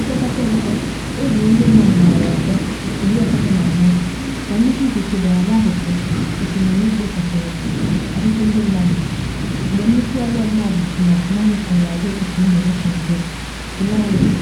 Opekata mpe egburu ndị mmadụ 384, ka nnukwu ikuku dara n’akụkụ osimiri ekpochapụrụ ọtụtụ ndị mmadụ, mgbe nnukwu ala ọmajiji na tsunami kụrụ agwaetiti Indonesia nke Sulawesi,